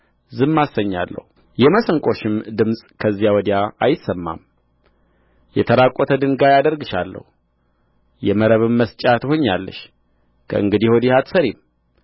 የመሰንቆሽም ድምፅ ከዚያ ወዲያ አይሰማም የተራቈተ ድንጋይ አደርግሻለሁ የመረብም ማስጫ ትሆኛለሽ ከእንግዲህ ወዲህ አትሠሪም